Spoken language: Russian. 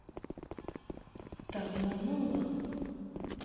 ты обманула